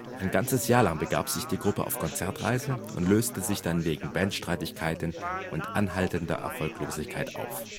Ein ganzes Jahr lang begab sich die Gruppe auf Konzertreise und löste sich dann wegen Bandstreitigkeiten und anhaltender Erfolglosigkeit auf